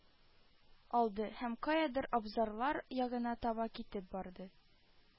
Алды һәм каядыр абзарлар ягына таба китеп барды